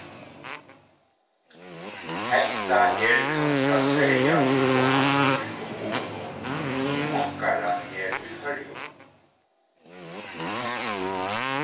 hetta er kanska serliga viðkomandi í kommununum sum okkara her í føroyum